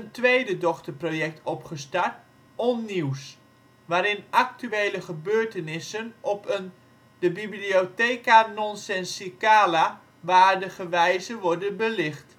tweede dochterproject opgestart: OnNieuws, waarin actuele gebeurtenissen op een de ' Bibliotheca Nonsensicala '- waardige wijze worden belicht